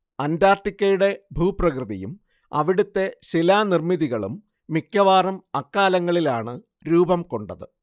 അന്റാർട്ടിക്കയുടെ ഭൂപ്രകൃതിയും അവിടുത്തെ ശിലാനിർമ്മിതികളും മിക്കവാറും അക്കാലങ്ങളിലാണ് രൂപം കൊണ്ടത്